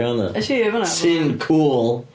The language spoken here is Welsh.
Es i i fan'na... Sy'n cŵl!